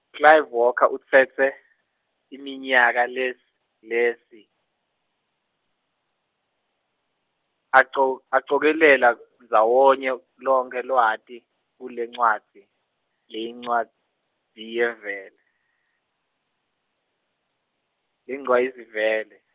Clive Walker utsetse, iminyaka lesi lesi, aco- acokelela, ndzawonye, lonkhe lwati, kulencwadzi, leyincwadzi yevele, leyingcwayizivele.